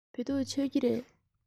བོད ཐུག མཆོད ཀྱི རེད